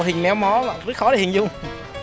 hình méo mó rất khó hình dung